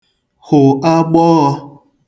hụ̀ agbọọ̄